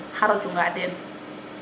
xaro cinga teen